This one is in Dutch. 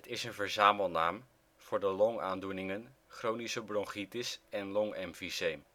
is een verzamelnaam voor de longaandoeningen chronische bronchitis en longemfyseem